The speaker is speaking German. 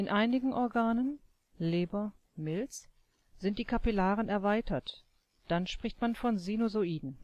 einigen Organen (Leber, Milz) sind die Kapillaren erweitert, dann spricht man von Sinusoiden